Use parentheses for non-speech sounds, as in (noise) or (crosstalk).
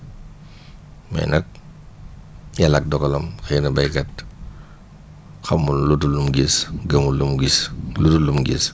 (breath) mais nag yàlla ak dogalam xëy na béykat xamul lu dul lum gis gëmul lu mu gis lu dul lu mu gis